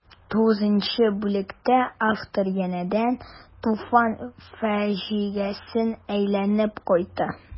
Тугызынчы бүлектә автор янәдән Туфан фаҗигасенә әйләнеп кайта.